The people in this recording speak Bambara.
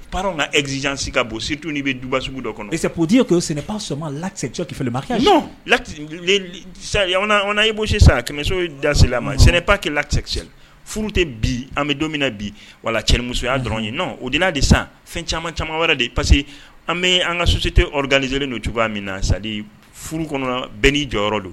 U taara kagzsi ka bonsi tun bɛ duba sugu dɔ kɔnɔ parce podiye sɛnɛba sɔnma latigɛgc tɛ an ye bɔsi sisan kɛmɛso dasila ma sɛnɛba ke lacsɛri tɛ bi an bɛ donmina bi wala cɛmusoya dɔrɔn ye nɔn oda de san fɛn caman caman wɛrɛ de parce que an bɛ an ka sosi tɛ ganzelen don tu min na sa furu kɔnɔ bɛn' jɔyɔrɔ don